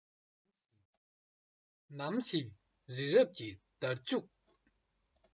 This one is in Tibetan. ནམ ཞིག རི རབ ཀྱི འདར ལྕུག